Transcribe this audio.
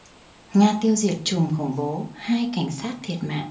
nga tiêu diệt trùm khủng bố hai cảnh sát thiệt mạng